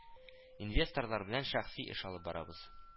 Инвесторлар белән шәхси эш алып барабыз